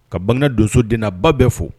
Ka ban ka donsoden n'a ba bɛ fo.